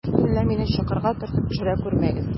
Берүк төнлә мине чокырга төртеп төшерә күрмәгез.